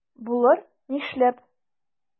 Булыр, нишләп?